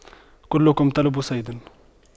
كلكم طلب صيد